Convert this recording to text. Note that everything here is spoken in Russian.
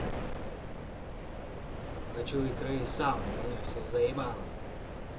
хочу икры и сала меня все заебало